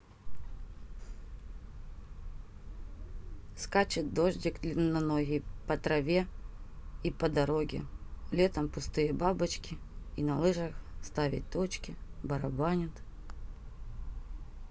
скачет дождик длинноногий по траве и по дороге летом пустые бочки и на лыжах ставить точки барабанит